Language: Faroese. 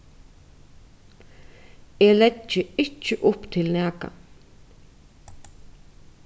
eg leggi ikki upp til nakað